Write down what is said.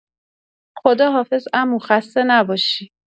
خداحافظ عمو، خسته نباشی.